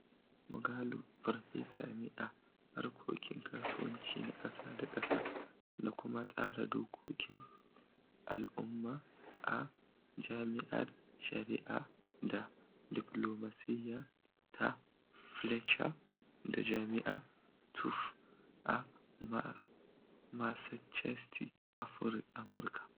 Moghalu farfesa ne a harkokin kasuwanci na ƙasa da ƙasa da kuma tsara dokokin al'umma a jami'ar Shari'a da Diplomasiyya ta Fletcher da Jami'ar Tufts a Massachesetts, Amurka.